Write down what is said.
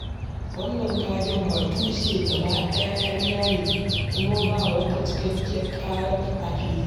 Wannan ƙagen ba tushe gaba ɗaya ƙarya ne kuma ba wata cikakkiyar ƙara a fili."